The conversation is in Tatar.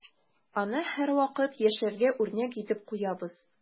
Аны һәрвакыт яшьләргә үрнәк итеп куябыз.